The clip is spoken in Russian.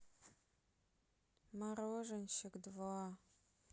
мороженщик два